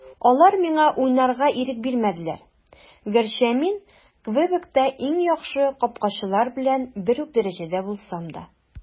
Алар миңа уйнарга ирек бирмәделәр, гәрчә мин Квебекта иң яхшы капкачылар белән бер үк дәрәҗәдә булсам да.